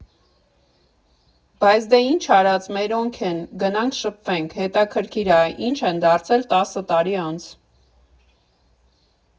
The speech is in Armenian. Բայց դե ինչ արած, մերոնք են, գնանք շփվենք, հետաքրքիր ա՝ ի՞նչ են դարձել տասը տարի անց։